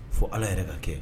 Fo ala yɛrɛ ka kɛ